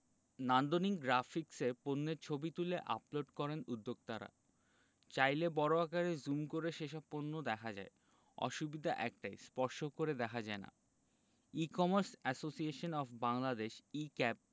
নান্দনিক গ্রাফিকসে পণ্যের ছবি তুলে আপলোড করেন উদ্যোক্তারা চাইলে বড় আকারে জুম করে সেসব পণ্য দেখা যায় অসুবিধা একটাই স্পর্শ করে দেখা যায় না e commerce association of Bangladesh e cab